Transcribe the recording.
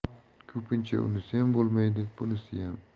ko'pincha unisiyam bo'lmaydi bunisiyam